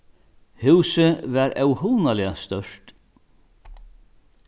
húsið var óhugnaliga stórt